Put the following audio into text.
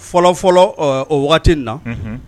Fɔlɔ fɔlɔ o waati wagati na